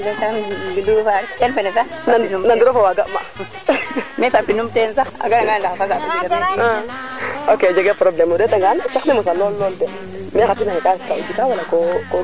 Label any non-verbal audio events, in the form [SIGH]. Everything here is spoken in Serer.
xa ɓay nuun nuun mbanga xam merci beaucoup fatou Diop in mboy ngid mang a paxa paax num mbugo njik wida fasaɓ kene moom o ɓayof soom waag no xoox nda wa ga ma kay [CROSSTALK] [LAUGHS] comme mumeen ke ka yaqa na nuun